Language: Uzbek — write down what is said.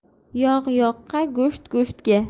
yog' yoqqa go'sht go'shtga